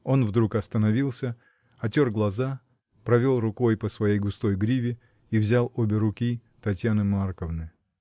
Он вдруг остановился, отер глаза, провел рукой по своей густой гриве и взял обе руки Татьяны Марковны.